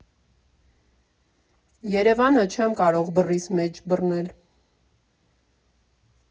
Երևանը չեմ կարող բռիս մեջ բռնել։